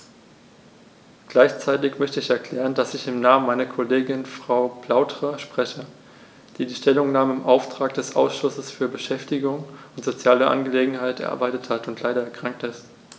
Gleichzeitig möchte ich erklären, dass ich im Namen meiner Kollegin Frau Flautre spreche, die die Stellungnahme im Auftrag des Ausschusses für Beschäftigung und soziale Angelegenheiten erarbeitet hat und leider erkrankt ist.